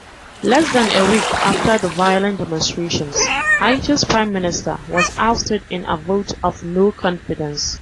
Less than a week after the violent demonstrations, Haiti's prime minister was ousted in a vote of no confidence.